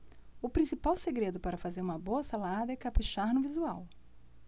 o principal segredo para fazer uma boa salada é caprichar no visual